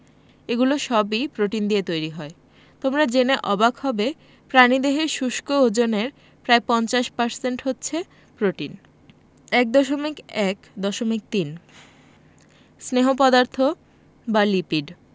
এগুলো সবই প্রোটিন দিয়ে তৈরি হয় তোমরা জেনে অবাক হবে প্রাণীদেহের শুষ্ক ওজনের প্রায় ৫০% হচ্ছে প্রোটিন ১.১.৩ স্নেহ পদার্থ বা লিপিড